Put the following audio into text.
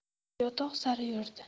yotoq sari yurdi